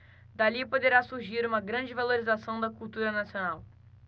dali poderá surgir uma grande valorização da cultura nacional